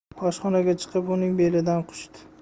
oshxonaga chiqib uning belidan quchdi